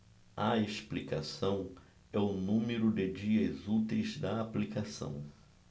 a explicação é o número de dias úteis da aplicação